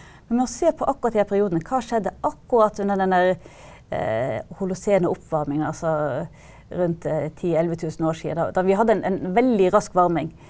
man må se på akkurat de her periodene, hva skjedde under den der holocene oppvarminga altså rundt ti 11000 år siden da da vi hadde en en veldig rask varming.